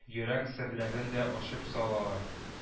Йөрәк серләрен дә ачып салалар